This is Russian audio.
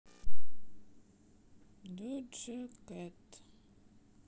doja cat